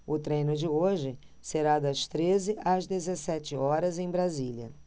o treino de hoje será das treze às dezessete horas em brasília